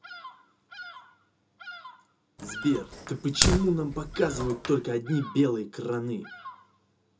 сбер ты почему нам показывают только одни белые краны